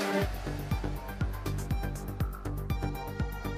Sanunɛ